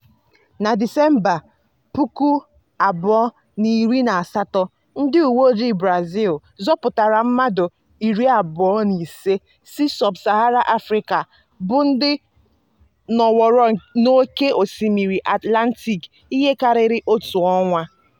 Na Disemba 2018, ndị uweojii Brazil zọpụtara mmadụ 25 si sub-Sahara Afrịka bụ́ ndị "nọworo n'oké osimiri Atlantic ihe karịrị otu ọnwa".